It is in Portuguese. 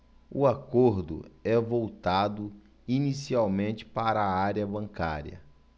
o acordo é voltado inicialmente para a área bancária